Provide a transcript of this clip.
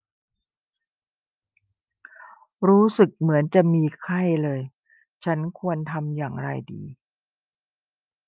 รู้สึกเหมือนจะมีไข้เลยฉันควรทำอย่างไรดี